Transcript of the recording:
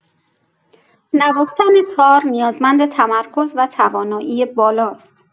نواختن تار نیازمند تمرکز و توانایی بالاست.